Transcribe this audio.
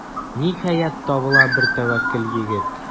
Ниһаять, табыла бер тәвәккәл егет.